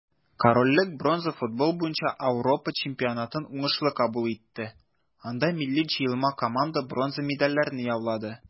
Корольлек бронза футбол буенча Ауропа чемпионатын уңышлы кабул итте, анда милли җыелма команда бронза медальләрне яулады.